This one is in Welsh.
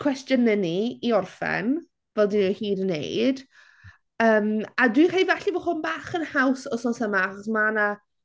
Cwestiwn i ni i orffen fel 'da ni o hyd yn wneud yym a dwi'n credu falle bod hwn bach yn haws wythnos yma achos ma' 'na...